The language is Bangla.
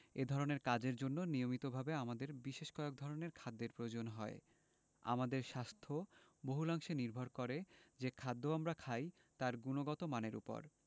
এ ধরনের কাজের জন্য নিয়মিত ভাবে আমাদের বিশেষ কয়েক ধরনের খাদ্যের প্রয়োজন হয় আমাদের স্বাস্থ্য বহুলাংশে নির্ভর করে যে খাদ্য আমরা খাই তার গুণগত মানের ওপর